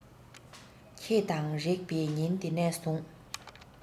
ཁྱེད དང རེག པའི ཉིན དེ ནས བཟུང